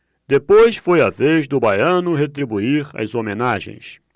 depois foi a vez do baiano retribuir as homenagens